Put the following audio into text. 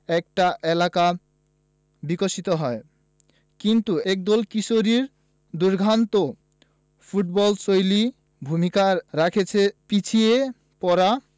একটা এলাকা বিকশিত হয় কিন্তু একদল কিশোরীর দুর্দান্ত ফুটবলশৈলী ভূমিকা রাখছে পিছিয়ে পড়া